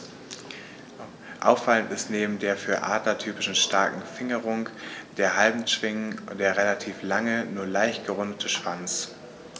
Auffallend ist neben der für Adler typischen starken Fingerung der Handschwingen der relativ lange, nur leicht gerundete Schwanz.